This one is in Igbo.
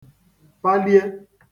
pàlie